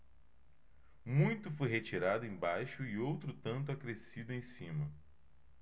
muito foi retirado embaixo e outro tanto acrescido em cima